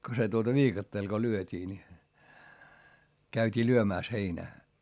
kun se tuota viikatteella kun lyötiin niin käytiin lyömässä heinää